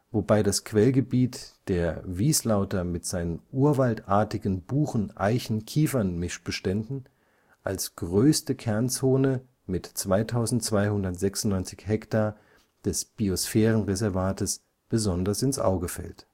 wobei das Quellgebiet der Wieslauter mit seinen urwaldartigen Buchen-Eichen-Kiefern-Mischbeständen als größte Kernzone (2296 ha) des Biosphärenreservates besonders ins Auge fällt